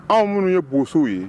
Anw minnu ye bo ye